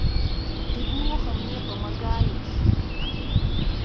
ты плохо мне помогаешь